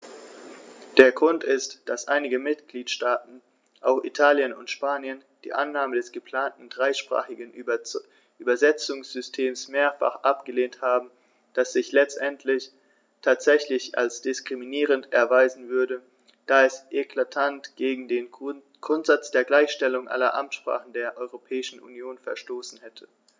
Der Grund ist, dass einige Mitgliedstaaten - auch Italien und Spanien - die Annahme des geplanten dreisprachigen Übersetzungssystems mehrfach abgelehnt haben, das sich letztendlich tatsächlich als diskriminierend erweisen würde, da es eklatant gegen den Grundsatz der Gleichstellung aller Amtssprachen der Europäischen Union verstoßen hätte.